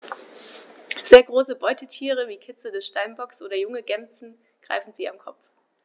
Sehr große Beutetiere wie Kitze des Steinbocks oder junge Gämsen greifen sie am Kopf.